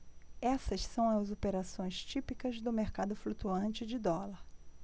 essas são as operações típicas do mercado flutuante de dólar